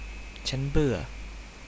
ฉันเบื่อ